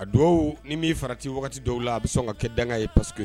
A dugawu ni min'i farati waati dɔw la a bɛ se sɔn ka kɛ dan ye paseke ye